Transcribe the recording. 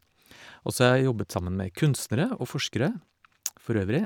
Og så har jeg jobbet sammen med kunstnere og forskere for øvrig.